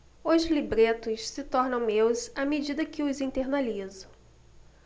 os libretos se tornam meus à medida que os internalizo